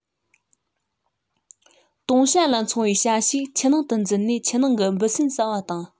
དུང བྱ ལ མཚུངས པའི བྱ ཞིག ཆུ ནང ལ འཛུལ ནས ཆུ ནང གི འབུ སྲིན ཟ བ དང